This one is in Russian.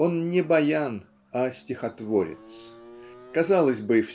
Он не баян, а стихотворец. Казалось бы